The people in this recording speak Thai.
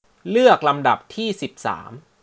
เลือกลำดับที่สิบสาม